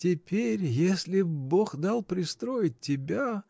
— Теперь, если б Бог дал пристроить тебя.